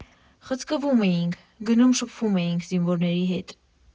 Խցկվում էինք, գնում շփվում էինք զինվորների հետ։